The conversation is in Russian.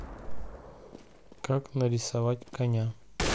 как нарисовать коня